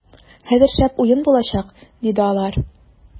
- хәзер шәп уен булачак, - диде алар.